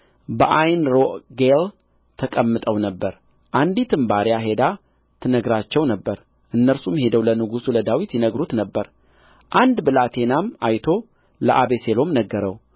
በዓይንሮጌል ተቀምጠው ነበር አንዲትም ባሪያ ሄዳ ትነግራቸው ነበር እነርሱም ሄደው ለንጉሡ ለዳዊት ይነግሩት ነበር አንድ ብላቴናም አይቶ ለአቤሴሎም ነገረው